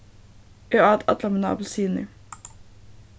eg át allar mínar appilsinir